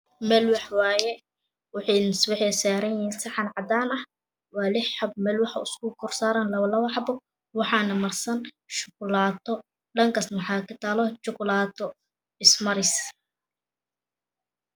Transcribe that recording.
Malwax waaye mexe saran yihin saxan caadan ah waa lex xabo malwax oo isku dul saran labo labo xabo waxane marsan shukulaato dhankasne waxa ka taalo jukulaato is maris